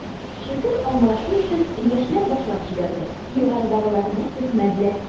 Шөкер, аңлашу эшен, яшьләр башлап җибәрде, югарыдагыларны көтмәделәр.